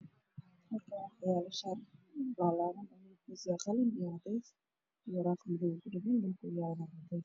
Halkan wax yaalo shaati laaban oo midabkiisu yahy qalin